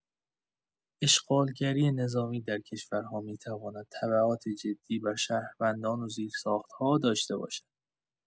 اشغالگری نظامی در کشورها می‌تواند تبعات جدی بر شهروندان و زیرساخت‌ها داشته باشد.